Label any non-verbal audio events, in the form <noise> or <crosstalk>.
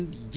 <hesitation> <hesitation>